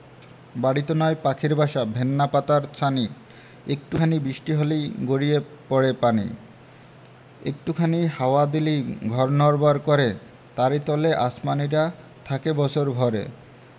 বাড়িতো নয় পাখির বাসা ভেন্না পাতার ছানি একটু খানি বৃষ্টি হলেই গড়িয়ে পড়ে পানি একটু খানি হাওয়া দিলেই ঘর নড়বড় করে তারি তলে আসমানীরা থাকে বছর ভরে